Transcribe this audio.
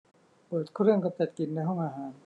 เปิดเครื่องกำจัดกลิ่นในห้องอาหาร